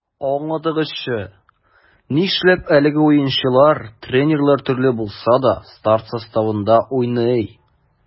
Аңлатыгызчы, нишләп әлеге уенчылар, тренерлар төрле булса да, старт составында уйный?